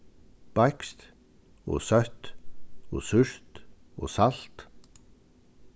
beiskt og søtt og súrt og salt